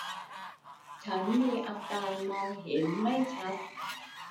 ฉันมีอาการมองเห็นไม่ชัด